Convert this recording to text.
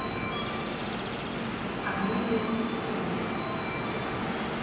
обливион фильм